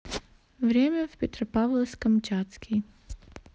время в петропавловск камчатский